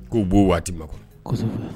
Ko b'o waati ma kɔnɔ